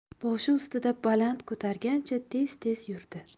boshi ustida baland ko'targancha tez tez yurdi